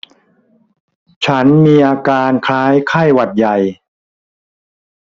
ฉันมีอาการคล้ายไข้หวัดใหญ่